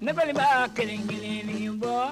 Ne bɛ n ta kelen kelen ni fɔ